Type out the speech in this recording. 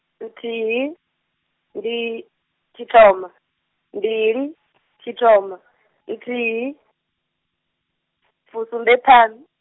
nthihi, ndi, tshithoma, mbili tshithoma , nthihi, fusumbeṱhanu.